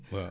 waaw